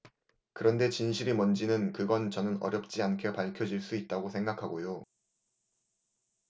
그런데 진실이 뭔지는 그건 저는 어렵지 않게 밝혀질 수 있다고 생각하고요